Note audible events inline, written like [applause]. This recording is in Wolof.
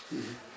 [hesitation] [hesitation]